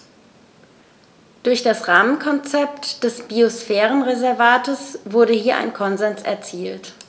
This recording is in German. Durch das Rahmenkonzept des Biosphärenreservates wurde hier ein Konsens erzielt.